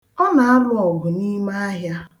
Ọ na-alụ ọgụ n'ime ahịa.